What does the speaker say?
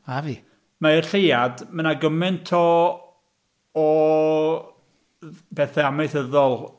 A fi... Mae'r Lleuad, mae 'na gymaint o o f- bethau amaethyddol...